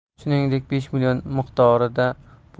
shuningdek besh million miqdorida